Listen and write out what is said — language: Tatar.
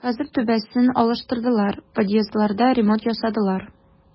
Хәзер түбәсен алыштырдылар, подъездларда ремонт ясадылар.